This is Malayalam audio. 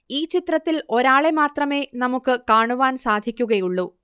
ഈ ചിത്രത്തിൽ ഒരാളെ മാത്രമേ നമുക്ക് കാണുവാൻ സാധിക്കുകയുള്ളൂ